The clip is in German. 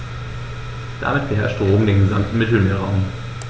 Damit beherrschte Rom den gesamten Mittelmeerraum.